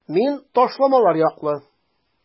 Мин ташламалар яклы.